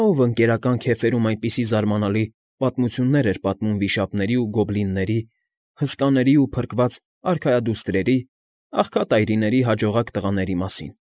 Նա՞, ով ընկերական քեֆերում այնպիսի զարմանալի պատմություններ էր պատմում վիշապների ու գոբլինների, հսկաների ու փրկված արքայադուստրերի, աղքատ այրիների հաջողակ տղաների մասին։